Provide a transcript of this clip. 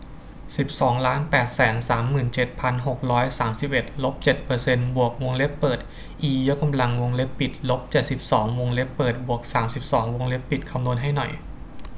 สิบสองล้านแปดแสนสามหมื่นเจ็ดพันหกร้อยสามสิบเอ็ดลบเจ็ดเปอร์เซนต์บวกวงเล็บเปิดอียกกำลังวงเล็บปิดลบเจ็ดสิบสองวงเล็บเปิดบวกสามสิบสองวงเล็บปิดคำนวณให้หน่อย